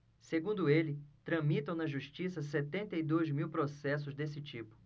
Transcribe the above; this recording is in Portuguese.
segundo ele tramitam na justiça setenta e dois mil processos desse tipo